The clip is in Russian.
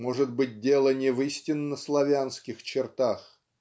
Может быть, дело не в истинно славянских чертах?